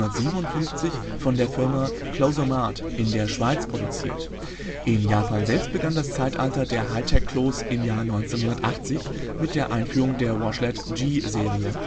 1957 von der Firma closomat in der Schweiz produziert. In Japan selbst begann das Zeitalter der High-Tech-Klos im Jahr 1980 mit der Einführung der Washlet G-Serie